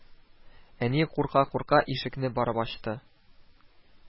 Әни, курка-курка, ишекне барып ачты